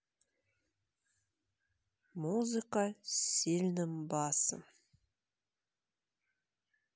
музыка с сильным басом